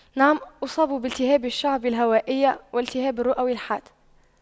نعم اصاب بالتهاب الشعب الهوائية والتهاب الرئوي الحاد